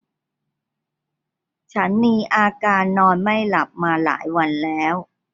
ฉันมีอาการนอนไม่หลับมาหลายวันแล้ว